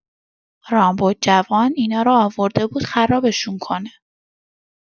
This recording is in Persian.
رامبد جوان اینارو آورده بود خرابشون کنه.